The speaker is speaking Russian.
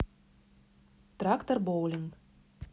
tracktor bowling